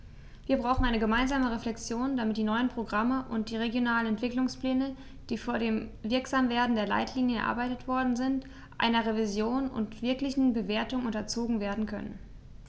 Wir brauchen eine gemeinsame Reflexion, damit die neuen Programme und die regionalen Entwicklungspläne, die vor dem Wirksamwerden der Leitlinien erarbeitet worden sind, einer Revision und wirklichen Bewertung unterzogen werden können.